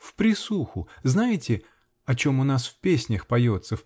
-- В присуху -- знаете, о чем у нас в песнях поется.